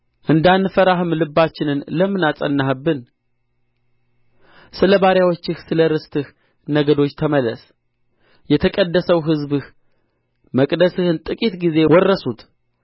እንዳንፈራህም ልባችንን ለምን አጸናህብን ስለ ባሪያዎችህ ስለ ርስትህ ነገዶች ተመለስ የተቀደሰው ሕዝብህ መቅደስህን ጥቂት ጊዜ ወረሱት